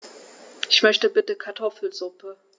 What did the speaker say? Ich möchte bitte Kartoffelsuppe.